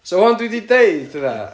so rŵan dwi 'di deud hynna...